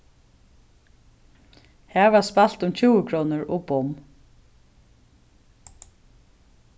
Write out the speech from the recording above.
har varð spælt um tjúgu krónur og bomm